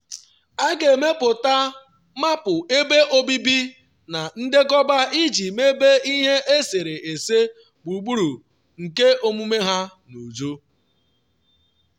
A ga-emepụta mapụ ebe obibi na ndekọba iji mebe ihe eserese gburugburu nke omume ha n’uju.